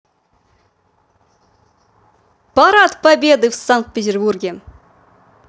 парад победы в санкт петербурге